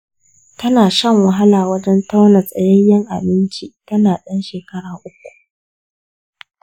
tana shan wahala wajen tauna tsayayyen abinci tana ɗan shekara uku